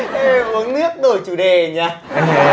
uống nước đổi chủ đề nhờ